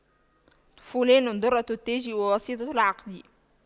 فلان دُرَّةُ التاج وواسطة العقد